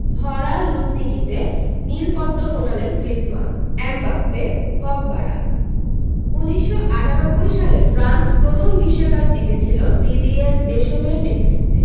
ভরা লুঝনিকিতে নীল পদ্ম ফোটালেন গ্রিজমান এমবাপ্পে পগবারা ১৯৯৮ সালে ফ্রান্স প্রথম বিশ্বকাপ জিতেছিল দিদিয়ের দেশমের নেতৃত্বে